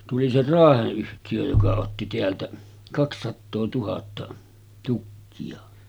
tuli se Raahen yhtiö joka otti täältä kaksisataa tuhatta tukkia